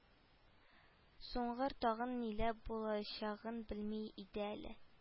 Суңгыр тагын ниләр булачагын белми иде әле